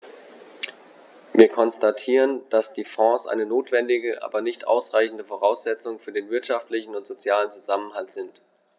Wir konstatieren, dass die Fonds eine notwendige, aber nicht ausreichende Voraussetzung für den wirtschaftlichen und sozialen Zusammenhalt sind.